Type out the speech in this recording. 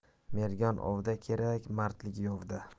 mergan ovda kerak mardlik yovda